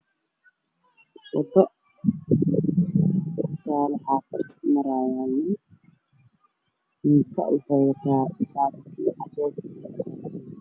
Waddo ku taalo xaafad maraayaa wiil wiilka wuxu wataa shaati cadees ah iyo surwaal madow